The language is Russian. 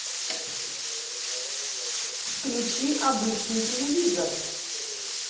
включи обычный телевизор